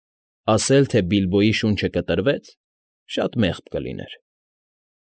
Ասել, թե Բիլբոյի շունչը կտրեց, շատ մեղմ կլիներ։